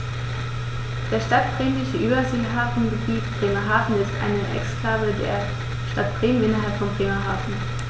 Das Stadtbremische Überseehafengebiet Bremerhaven ist eine Exklave der Stadt Bremen innerhalb von Bremerhaven.